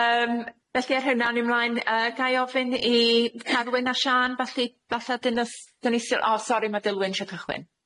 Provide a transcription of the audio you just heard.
Yym felly ar hynna o'n i mlaen yy ga'i ofyn i Carwyn a Siân falli falla 'dyn nw s- 'dyn ni sti- o sori ma' Dilwyn isio cychwyn.